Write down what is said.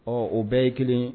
Ɔ o bɛɛ ye kelen